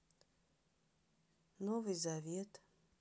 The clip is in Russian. новый завет